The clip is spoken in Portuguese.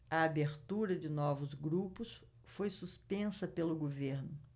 a abertura de novos grupos foi suspensa pelo governo